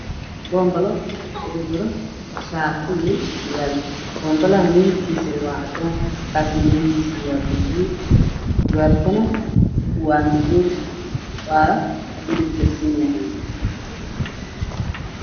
Waa bombalo midabkiisu yahay cadaan waxaa ku jira shaati midabkiisu yahay buluug caddaan darbiga oo cadaa